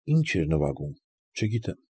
Ի՞նչ էր նվագում֊ չգիտեմ։